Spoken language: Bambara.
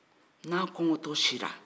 n'a kɔgɔn tɔ sira